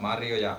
marjoja